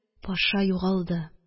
Паша югалды.